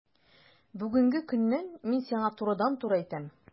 Бүгенге көннән мин сиңа турыдан-туры әйтәм: